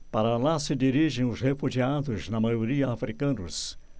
para lá se dirigem os refugiados na maioria hútus